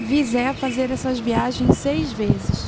vi zé fazer essas viagens seis vezes